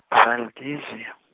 Valdezia.